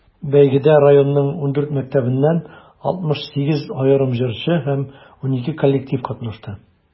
Бәйгедә районның 14 мәктәбеннән 68 аерым җырчы һәм 12 коллектив катнашты.